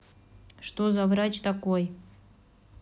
что за врач такой